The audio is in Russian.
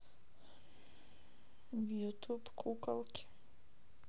ютуб куколки